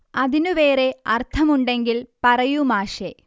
അതിനു വേറേ അർത്ഥം ഉണ്ടെങ്കിൽ പറയൂ മാഷേ